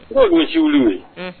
U ye gosicilu ye